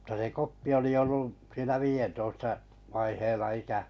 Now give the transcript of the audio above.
mutta se Koppi oli ollut siinä viidentoista vaiheilla ikä